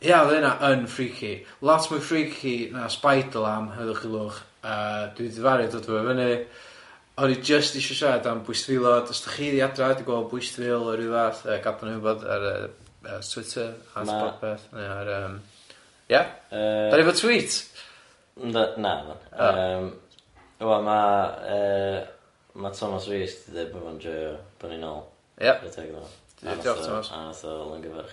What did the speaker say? Ia o'dd hynna yn freaky, lot mwy freaky na spider-lamb, heddwch y'lwch yy, dwi dyfaru dod a fo'i fyny, o'n i jyst isio siarad am bwystfilod, os dach chi adra di gweld bwystfil or ryw fath yy gadal ni wbod ar yy yy Twitter at ma' yym ia yy, dan ni efo tweet yndw- naddo yym wel ma' yy ma' Thomas Rees di deud bo' bo'n joio bo' ni nôl, ia. Diolch Thomas a nath o longyfarch ni